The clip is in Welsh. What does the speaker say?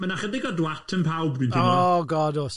Ma' 'na 'chydig o dwat yn pawb fi'n teimlo. O God o's!